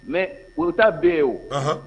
Mɛ worota bɛ yen o